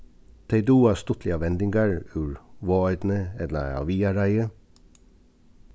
tey duga stuttligar vendingar úr vágoynni ella av viðareiði